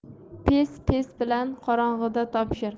pes pes bilan qorong'ida topishar